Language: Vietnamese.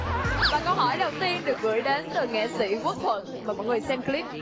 và câu hỏi đầu tiên được gửi đến từ nghệ sỹ quốc thuận mời mọi người xem cờ líp